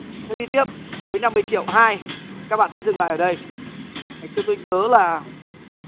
sẽ đi tiếp với năm mươi triệu hai các bạn sẽ dừng lại ở đây ngày xưa tôi nhớ là